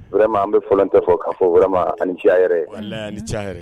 Vraiment an bi fɔlɔntɛ fo k’a fɔ vraiment ani c’a yɛrɛ ye, walahi ani c’a yɛrɛ ye